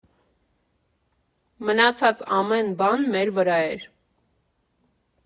Մնացած ամեն բան մեր վրա էր։